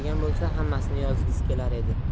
ko'rgan bo'lsa hammasini yozgisi kelar edi